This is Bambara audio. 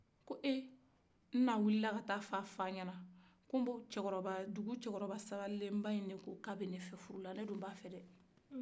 ko ehe ina wilila ka taa fɔ a fa ye ko dugu cɛkɔrɔba sabalilen in de ko ko a bɛ ne fɛ furula ne dun bɛ a fɛ dɛ